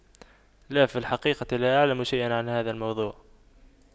لا في الحقيقة لا أعلم شيئا عن هذا الموضوع